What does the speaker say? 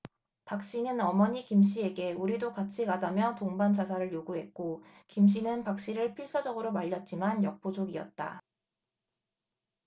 박씨는 어머니 김씨에게 우리도 같이 가자며 동반 자살을 요구했고 김씨는 박씨를 필사적으로 말렸지만 역부족이었다